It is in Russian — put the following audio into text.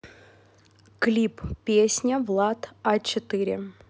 клип песня влад а четыре